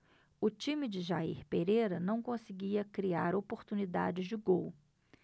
o time de jair pereira não conseguia criar oportunidades de gol